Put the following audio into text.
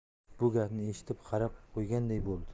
yigit bu gapni eshitib qarab qo'yganday bo'ldi